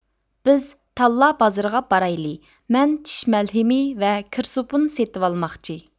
بىز تاللا بازىرىغا بارايلى مەن چىش مەلھىمى ۋە كىر سوپۇن سېتىۋالماقچى